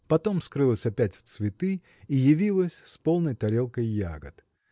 потом скрылась опять в цветы и явилась с полной тарелкой ягод.